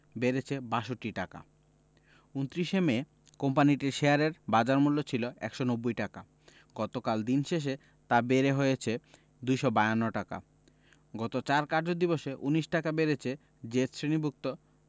বেড়েছে ৬২ টাকা ২৯ মে কোম্পানিটির শেয়ারের বাজারমূল্য ছিল ১৯০ টাকা গতকাল দিন শেষে তা বেড়ে হয়েছে ২৫২ টাকা গত ৪ কার্যদিবসে ১৯ টাকা বেড়েছে জেড শ্রেণিভুক্ত